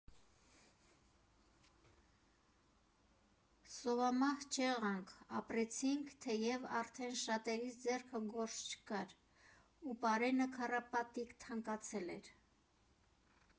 Սովամահ չեղանք, ապրեցինք, թեև արդեն շատերիս ձեռքը գործ չկար, ու պարենը քառապատիկ թանկացել էր։